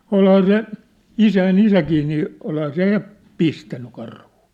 olihan se isäni isäkin niin olihan se ja pistänyt karhua